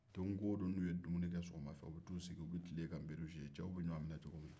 don wo don n'u ye dumunikɛ sɔgɔmafɛ u bɛ t'u sigi u bɛ tilen ka nperu jouer cɛw bɛ ɲwan minɛ cogo minna